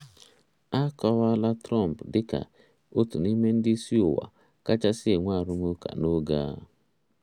A kọwaala Trump dịka "otu n'ime ndị isi ụwa kachasị enwe arụm ụka n'oge a".